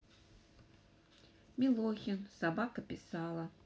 милохин собака писала